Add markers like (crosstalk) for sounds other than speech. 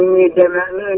(noise) assurance bi